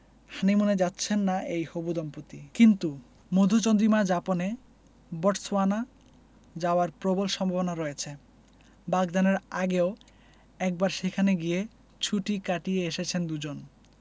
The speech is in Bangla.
হানিমুনে যাচ্ছেন না এই হবু দম্পতি কিন্তু মধুচন্দ্রিমা যাপনে বটসওয়ানা যাওয়ার প্রবল সম্ভাবনা রয়েছে বাগদানের আগেও একবার সেখানে গিয়ে ছুটি কাটিয়ে এসেছেন দুজন